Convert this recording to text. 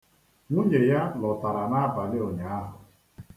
Nwunye ya lọtara n'abalị ụnyaahụ.